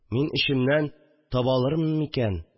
Мин эчемнән: «Таба алырмын микән